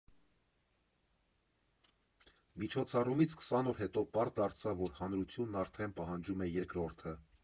Միջոցառումից քսան օր հետո պարզ դարձավ, որ հանրությունն արդեն պահանջում է երկրորդը։